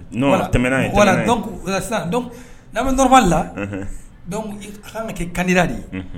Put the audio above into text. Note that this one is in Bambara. Tɛmɛna ye sisan n' bɛ tbali la a kan ka kɛ kandira de ye